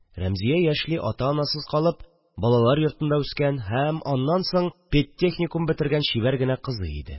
Рәмзия яшьли ата-анасыз калып балалар йортында үскән һәм аннан соң педтехникум бетергән чибәр генә кызый иде